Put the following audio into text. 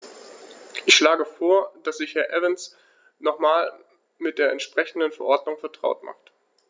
Ich schlage vor, dass sich Herr Evans nochmals mit der entsprechenden Verordnung vertraut macht.